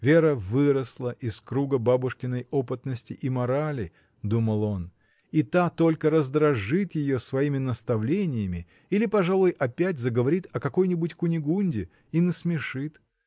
Вера выросла из круга бабушкиной опытности и морали, думал он, и та только раздражит ее своими наставлениями или, пожалуй, опять заговорит о какой-нибудь Кунигунде — и насмешит.